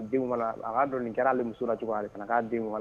Denw mana , a k'a dɔn nin kɛra ale muso la cogoya min na, a bɛ fana k'a denw la.